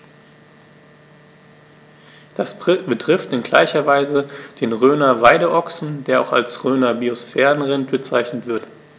Dies betrifft in gleicher Weise den Rhöner Weideochsen, der auch als Rhöner Biosphärenrind bezeichnet wird.